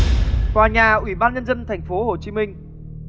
tòa nhà ủy ban nhân dân thành phố hồ chí minh